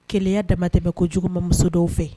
Keleya damatɛmɛkojugu mamuso dɔw fɛ